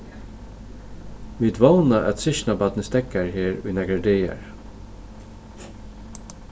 vit vóna at systkinabarnið steðgar her í nakrar dagar